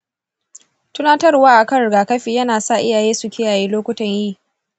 tunatarwa a kan rigakafi yana sa iyaye su kiyaye lokutan yi.